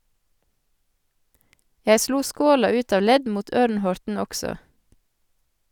- Jeg slo skåla ut av ledd mot Ørn-Horten også.